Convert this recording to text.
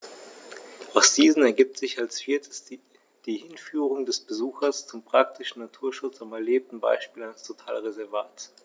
Aus diesen ergibt sich als viertes die Hinführung des Besuchers zum praktischen Naturschutz am erlebten Beispiel eines Totalreservats.